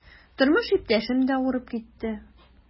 Тормыш иптәшем дә авырып китте.